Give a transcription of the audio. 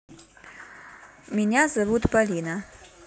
меня зовут полина